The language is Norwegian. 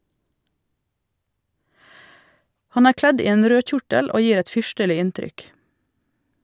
Han er kledd i en rød kjortel og gir et fyrstelig inntrykk.